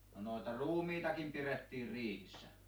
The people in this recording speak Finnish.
no noita ruumiitakin pidettiin riihissä